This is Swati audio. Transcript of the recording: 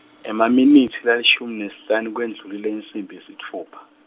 emaminitsi lalishumi nesihlanu kwendlulile lensimbi yesitfupha.